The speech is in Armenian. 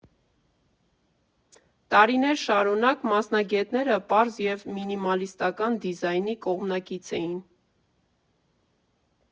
Տարիներ շարունակ մասնագետները պարզ և մինիմալիստական դիզայնի կողմնակից էին։